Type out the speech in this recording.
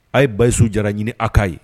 A' ye basisu jara ɲini a k'a ye